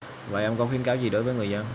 vậy ông có khuyến cáo gì đối với người dân